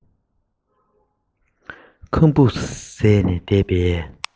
ཁམ བུ ཟས ནས བསྡད པའི